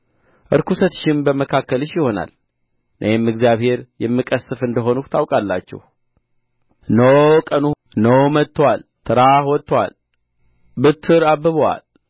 ርኵሰትሽም በመካከልሽ ይሆናል እኔም እግዚአብሔር የምቀሥፍ እንደ ሆንሁ ታውቃላችሁ እነሆ ቀኑ እነሆ መጥቶአል ተራህ ወጥቶአል ብትር አብቦአል